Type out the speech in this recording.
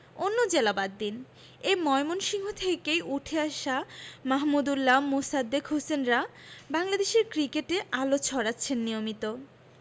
অন্য জেলা বাদ দিন এ ময়মনসিংহ থেকেই উঠে আসা মাহমুদউল্লাহ মোসাদ্দেক হোসেনরা বাংলাদেশ ক্রিকেটে আলো ছড়াচ্ছেন নিয়মিত